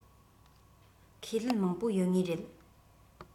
ཁས ལེན མང པོ ཡོད ངེས རེད